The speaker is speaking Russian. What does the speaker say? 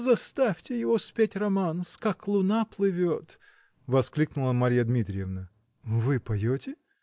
-- Заставьте его спеть романс -- как луна плывет, -- воскликнула Марья Дмитриевна. -- Вы поете?